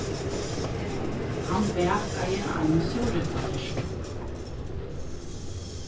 hann bakaði eina súreplatertu